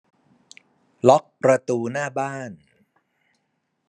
ล็อกประตูหน้าบ้าน